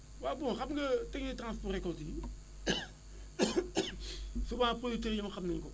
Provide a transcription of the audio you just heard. waaw bon xam nga technique de transport récoltes yi souvent producteurs yi ñoom xam nañu ko